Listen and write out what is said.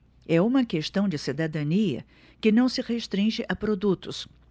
é uma questão de cidadania que não se restringe a produtos